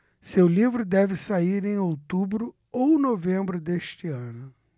seu livro deve sair em outubro ou novembro deste ano